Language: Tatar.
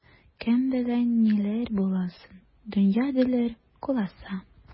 Кем белә ниләр буласын, дөнья, диләр, куласа.